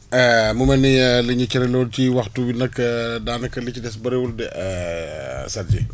mu mel ni liñ ñu cëraleewoon ci waxtu bi nag daanaka li ci des bëriwul de Sadji